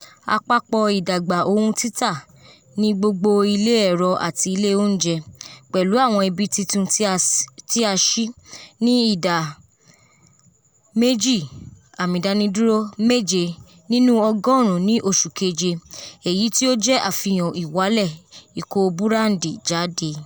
Apapọ idagba ohun tita ni gbogbo ile ero ati ile ounjẹ, pẹlu awọn ibi titun ti a ṣi, ni ida 2.7 nínú ọgorun ni oṣu keje, eyi ti o jẹ afihan iwalẹ iko burandi jade.